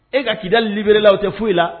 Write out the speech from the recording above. E ka kiidalibere la o tɛ foyi la